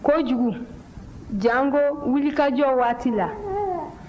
kojugu janko wulikajɔ waati la